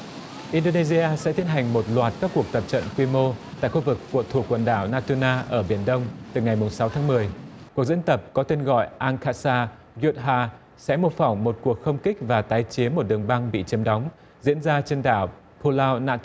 in đô nê si a sẽ tiến hành một loạt các cuộc tập trận quy mô tại khu vực của thuộc quần đảo na tu na ở biển đông từ ngày mùng sáu tháng mười cuộc diễn tập có tên gọi an ca sa dút ha sẽ mô phỏng một cuộc không kích và tái chế một đường băng bị chiếm đóng diễn ra trên đảo pu la na